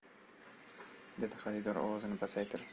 dedi xaridor ovozini pasaytirib